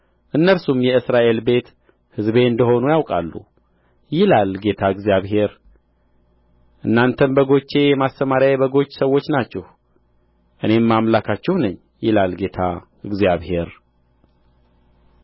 እነርሱም የእስራኤል ቤት ሕዝቤ እንደ ሆኑ ያውቃሉ ይላል ጌታ እግዚአብሔር እናንተም በጎቼ የማሰማርያዬ በጎች ሰዎች ናችሁ እኔም አምላካችሁ ነኝ ይላል ጌታ እግዚአብሔር